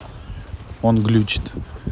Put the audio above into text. он глючит